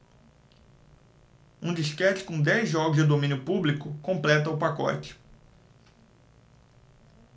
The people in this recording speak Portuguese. um disquete com dez jogos de domínio público completa o pacote